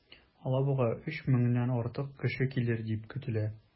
Алабугага 3 меңнән артык кеше килер дип көтелә.